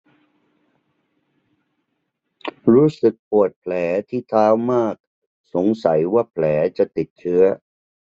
รู้สึกปวดแผลที่เท้ามากสงสัยว่าแผลจะติดเชื้อ